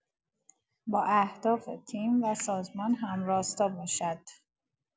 با اهداف تیم و سازمان هم‌راستا باشد.